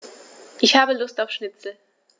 Ich habe Lust auf Schnitzel.